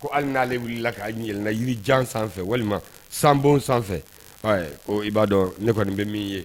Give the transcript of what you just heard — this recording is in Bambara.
Ko hali n'ale wulila k'o na yɛlɛnna jirijan sanfɛ walima sanbon sanfɛ, k'i b'a dɔn ne kɔni bɛ min ye